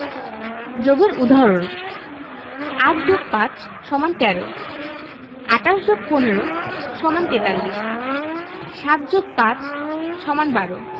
যোগের উদাহরণঃ ৮ যোগ ৫ সমান ১৩ ২৮ যোগ ১৫ সমান ৪৩ ৭যোগ৫ সমান ১২